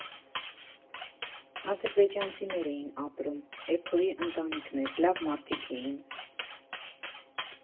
) ադրբեջանցիներ էին ապրում, Էփոյի ընտանիքն էր, լավ մարդիկ էին։